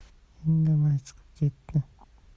indamay chiqib ketdi